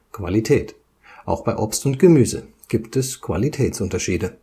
Qualität: Auch bei Obst und Gemüse gibt es Qualitätsunterschiede